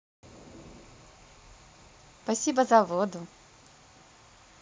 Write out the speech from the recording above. спасибо за воду